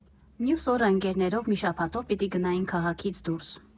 Մյուս օրը ընկերներով մի շաբաթով պիտի գնայինք քաղաքից դուրս։